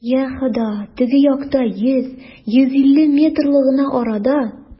Йа Аллаһ, теге якта, йөз, йөз илле метрлы гына арада!